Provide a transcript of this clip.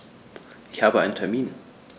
Ich habe einen Termin.